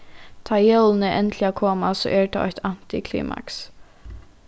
tá jólini endiliga koma so er tað eitt antiklimaks